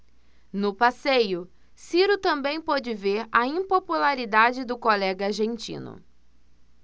no passeio ciro também pôde ver a impopularidade do colega argentino